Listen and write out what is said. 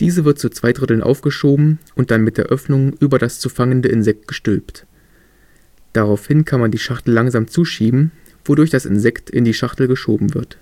Diese wird zu zwei Dritteln aufgeschoben und dann mit der Öffnung über das zu fangende Insekt gestülpt. Daraufhin kann man die Schachtel langsam zuschieben, wodurch das Insekt in die Schachtel geschoben wird.